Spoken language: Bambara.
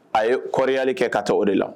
A ye kli kɛ ka to o de la